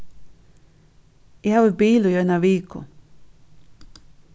eg havi bil í eina viku